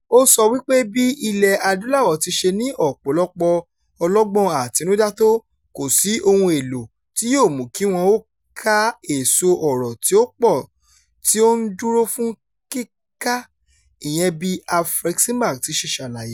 Ó sọ wípé bí Ilẹ̀-Adúláwọ̀ ti ṣe ní ọ̀pọ̀lọpọ̀ ọlọ́gbọ́n àtinudá tó, kò sí ohun èlò tí yóò mú kí wọn ó ká èso ọrọ̀ tí ó pọ̀ tí ó ń dúró fún kíká, ìyẹn bí Afreximbank ti ṣe ṣàlàyé.